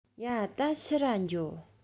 ཡ ད ཕྱིར ར འགྱོ